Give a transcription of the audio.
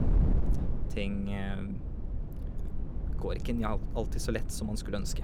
Ting går ikke njal alltid så lett som man skulle ønske.